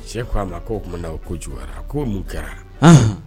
Cɛ ko a ma ko o kuma na o ko juguyara ko mun kɛra anhan